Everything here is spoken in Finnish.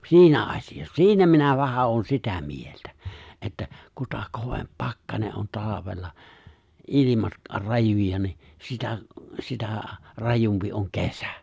siinä asiassa siinä minä vähän olen sitä mieltä että kuta kovempi pakkanen on talvella ilmat rajuja niin sitä sitä rajumpi on kesä